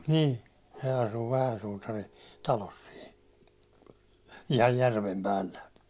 niin se asui vähän suutarin talossa sinne ihan järven päällä